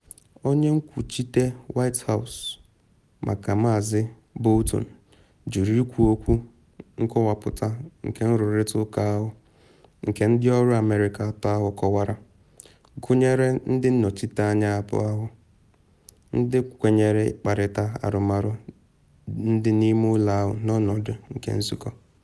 Onye nkwuchite White House maka Maazị Bolton jụrụ ikwu okwu na nkọwapụta nke nrụrịta ụka ahụ nke ndị ọrụ America atọ ahụ kọwara, gụnyere ndị nnọchite anya abụọ, ndị kwenyere ịkparịta arụmarụ ndị ime ụlọ ahụ n’ọnọdụ nke nzuzo.